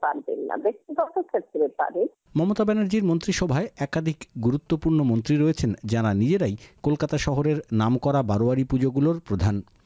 পারবেন না ব্যক্তিগত ক্ষেত্রে পারেন মমতা ব্যানার্জির মন্ত্রিসভায় একাধিক গুরুত্বপূর্ণ মন্ত্রী রয়েছেন যারা নিজেরাই কলকাতা শহরের নামকরা বারোয়ারি পুজো গুলোর প্রধান